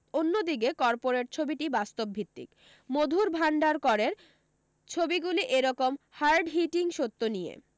অন্য দিকে কর্পোরেট ছবিটি বাস্তবভিত্তিক মধুর ভাণ্ডারকরের ছবিগুলী এ রকম হার্ড হিটিং সত্য নিয়ে